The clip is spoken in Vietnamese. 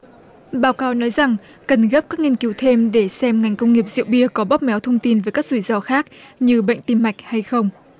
báo cáo nói rằng cần gấp các nghiên cứu thêm để xem ngành công nghiệp rượu bia có bóp méo thông tin về các rủi ro khác như bệnh tim mạch hay không